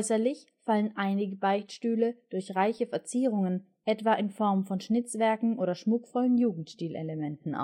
Äußerlich fallen einige Beichtstühle durch reiche Verzierungen, etwa in Form von Schnitzwerk oder schmuckvollen Jugendstilelementen